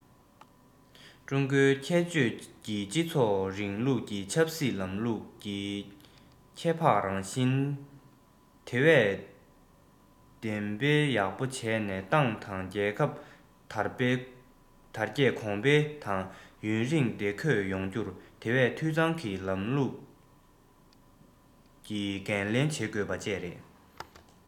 ཀྲུང གོའི ཁྱད ཆོས ཀྱི སྤྱི ཚོགས རིང ལུགས ཀྱི ཆབ སྲིད ལམ ལུགས ཀྱི ཁྱད འཕགས རང བཞིན དེ བས འདོན སྤེལ ཡག པོ བྱས ནས ཏང དང རྒྱལ ཁབ དར རྒྱས གོང འཕེལ དང ཡུན རིང བདེ འཁོད ཡོང རྒྱུར དེ བས འཐུས ཚང གི ལམ ལུགས ཀྱི འགན ལེན བྱེད དགོས པ བཅས རེད